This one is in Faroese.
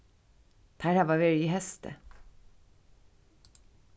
teir hava verið í hesti